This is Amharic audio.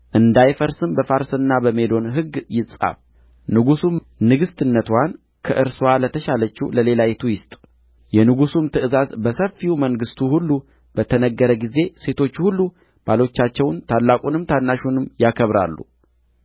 እንዳይፈርስም በፋርስና በሜዶን ሕግ ይጻፍ ንጉሡም ንግሥትነትዋን ከእርስዋ ለተሻለችው ለሌላይቱ ይስጥ የንጉሡም ትእዛዝ በሰፊው መንግሥቱ ሁሉ በተነገረ ጊዜ ሴቶች ሁሉ ባሎቻቸውን ታላቁንም ታናሹንም ያከብራሉ